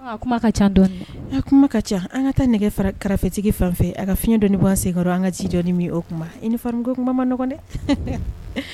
An a kuma ka ca dɔɔnin, kuma ka ca an ka taa nɛgɛ karafetigi fan fɛ a ka fiɲɛ dɔɔnin bɔ an senkɔrɔ ka an ka ji dɔɔnin min o tuma uniforme ko kuma ma nɔgɔn dɛ